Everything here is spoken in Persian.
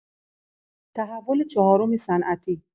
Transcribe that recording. تحول چهارم صنعتی